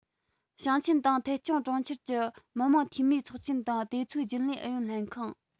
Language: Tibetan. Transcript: ཞིང ཆེན དང ཐད སྐྱོང གྲོང ཁྱེར གྱི མི དམངས འཐུས མིའི ཚོགས ཆེན དང དེ ཚོའི རྒྱུན ལས ཨུ ཡོན ལྷན ཁང